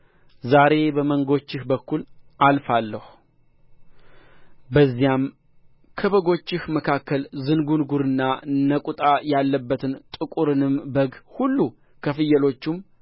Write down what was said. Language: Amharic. ዛሬ በመንጎችህ በኩል አልፋለሁ በዚያም ከበጎችህ መካከል ዝንጕርጕርና ነቍጣ ያለበቱን ጥቁሩንም በግ ሁሉ ከፍየሎቹም